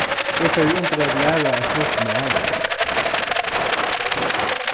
eg fari undir at læra eitt nýtt mál